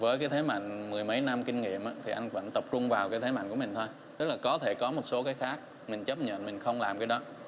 với cái thế mạnh mười mấy năm kinh nghiệm ớ thì anh vẫn tập trung vào cái thế mạnh của mình thôi tức là có thể có một số cái khác mình chấp nhận mình không làm cái đó